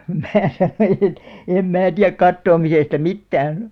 minä sanoin että en minä tiedä katoamisesta mitään